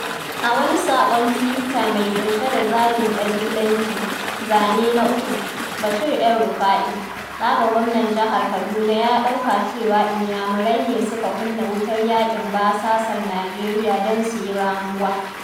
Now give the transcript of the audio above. A wani saƙon tuwita mai ƙunshe da zagin ƙabilanci (Zane na 3), Bashir El-Rufai, ɗa ga gwamnan jihar Kaduna ya ɗauka cewa Inyamirai ne su ka kunna wutar yaƙin basasar Nijeriya don su yi ramuwa.